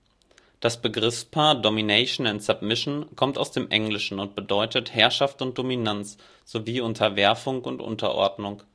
Das Begriffspaar Domination und Submission kommt aus dem Englischen und bedeutet Herrschaft und Dominanz sowie Unterwerfung und Unterordnung